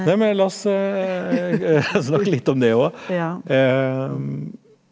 nei men la oss la oss snakke litt om det og .